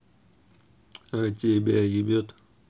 а тебя ебет